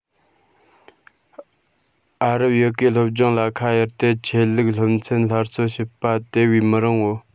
ཨ རབ ཡི གེ སློབ སྦྱོང ལ ཁ གཡར ཏེ ཆོས ལུགས སློབ ཚན སླར གསོ བྱེད པ དེ བས མི རུང ངོ